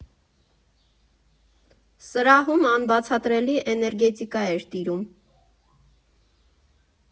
Սրահում անբացատրելի էներգետիկա էր տիրում։